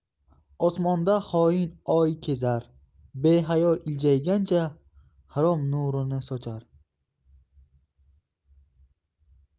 osmonda xoin oy kezar behayo iljaygancha harom nurini sochar